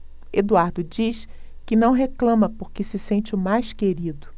eduardo diz que não reclama porque se sente o mais querido